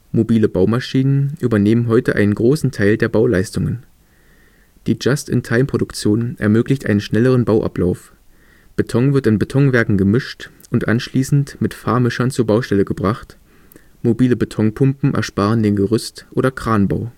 Mobile Baumaschinen übernehmen heute einen großen Teil der Bauleistungen. Die Just-in-time-Produktion ermöglicht einen schnelleren Bauablauf. Beton wird in Betonwerken gemischt und anschließend mit Fahrmischern zur Baustelle gebracht, mobile Betonpumpen ersparen den Gerüst - oder Kranbau